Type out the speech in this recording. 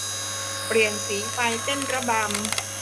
เปลี่ยนสีไฟเต้นระบำ